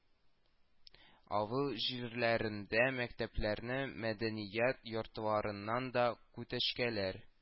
Авыл җирләрендә мәктәпләрне, мәдәният йортларынан да күтәчкәләр